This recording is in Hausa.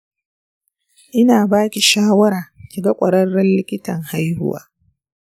ina baki shawarar ki ga ƙwararren likitan haihuwa.